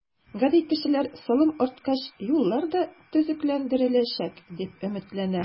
Гади кешеләр салым арткач, юллар да төзекләндереләчәк, дип өметләнә.